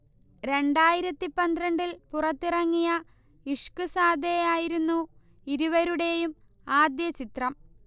രണ്ടായിരത്തി പന്ത്രണ്ടിൽ പുറത്തിറങ്ങിയ ഇഷ്ഖ്സാദെ ആയിരുന്നു ഇരുവരുടെയും ആദ്യ ചിത്രം